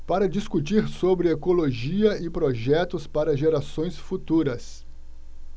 para discutir sobre ecologia e projetos para gerações futuras